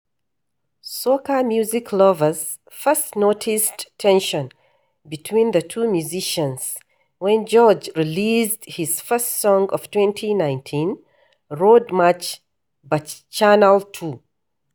Soca music lovers first noticed tension between the two musicians when George released his first song of 2019, "Road March Bacchanal 2".